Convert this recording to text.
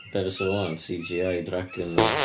Be fysa fo 'wan? CGI dragon neu wbath.